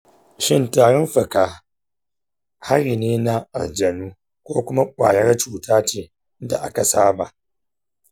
shin tarin fuka hari ne na aljanu ko kuma ƙwayar cuta ce da aka saba?